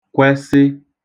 kwesị